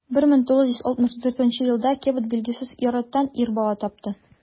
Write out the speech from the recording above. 1964 елда кэбот билгесез ир-аттан ир бала тапты.